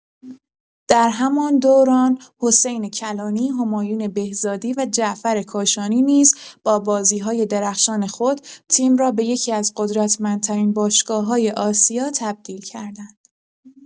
در همان دوران، حسین کلانی، همایون بهزادی و جعفر کاشانی نیز با بازی‌های درخشان خود تیم را به یکی‌از قدرتمندترین باشگاه‌های آسیا تبدیل کردند.